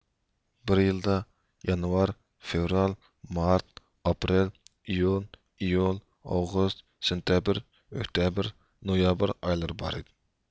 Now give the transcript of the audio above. بىر يىلدا يانۋار فېۋرال مارت ئاپرېل ئىيۇن ئىيۇل ئاۋغۇست سىنتەبېر ئۆكتەبىر نويابىر ئايلىرى بار